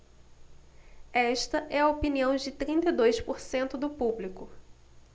esta é a opinião de trinta e dois por cento do público